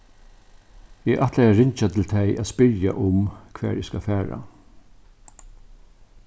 eg ætlaði at ringja til tey at spyrja um hvar eg skal fara